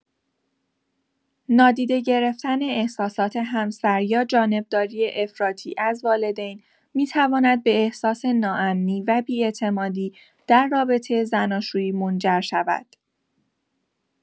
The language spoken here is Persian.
نادیده گرفتن احساسات همسر یا جانبداری افراطی از والدین، می‌تواند به احساس ناامنی و بی‌اعتمادی در رابطه زناشویی منجر شود.